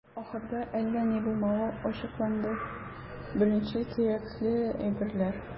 Ахырда, әллә ни булмавы ачыкланды - беренчел кирәкле әйберләр.